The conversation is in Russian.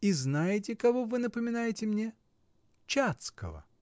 И знаете, кого вы напоминаете мне? Чацкого.